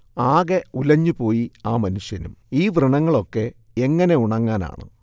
ആകെ ഉലഞ്ഞുപോയി ആ മനുഷ്യനും ഈ വ്രണങ്ങളൊക്കെ എങ്ങനെ ഉണങ്ങാനാണ്